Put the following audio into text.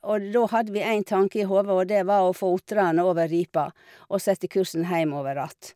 Og da hadde vi én tanke i hodet, og det var å få otrene over ripa og sette kursen heimover att.